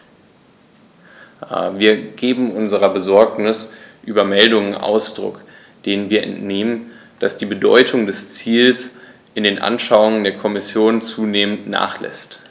Wir geben unserer Besorgnis über Meldungen Ausdruck, denen wir entnehmen, dass die Bedeutung dieses Ziels in den Anschauungen der Kommission zunehmend nachlässt.